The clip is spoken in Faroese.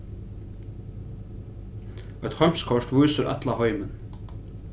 eitt heimskort vísir alla heimin